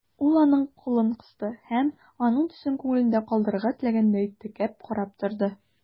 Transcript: Ул аның кулын кысты һәм, аның төсен күңелендә калдырырга теләгәндәй, текәп карап торды.